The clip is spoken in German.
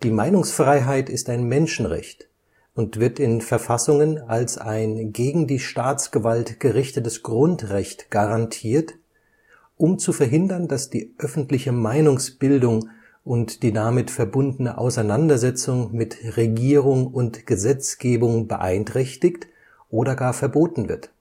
Meinungsfreiheit ist ein Menschenrecht und wird in Verfassungen als ein gegen die Staatsgewalt gerichtetes Grundrecht garantiert, um zu verhindern, dass die öffentliche Meinungsbildung und die damit verbundene Auseinandersetzung mit Regierung und Gesetzgebung beeinträchtigt oder gar verboten wird